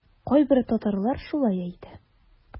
Кайбер татарлар шулай әйтә.